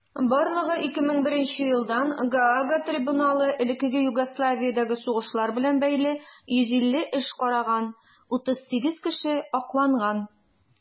Барлыгы 2001 елдан Гаага трибуналы элеккеге Югославиядәге сугышлар белән бәйле 150 эш караган; 38 кеше акланган.